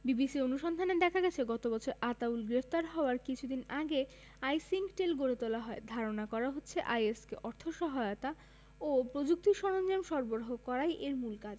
বিবিসির অনুসন্ধানে দেখা গেছে গত বছর আতাউল গ্রেপ্তার হওয়ার কিছুদিন আগে আইসিংকটেল গড়ে তোলা হয় ধারণা করা হচ্ছে আইএস কে অর্থ সহায়তা ও প্রযুক্তি সরঞ্জাম সরবরাহ করাই এর মূল কাজ